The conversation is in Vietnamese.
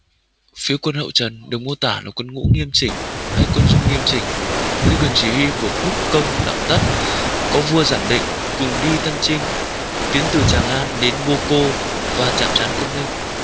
phía quân hậu trần được mô tả là quân ngũ nghiêm chỉnh hay quân dung nghiêm chỉnh dưới quyền chỉ huy của quốc công đặng tất có vua giản định cùng đi thân chinh tiến từ tràng an đến bô cô và chạm trán quân minh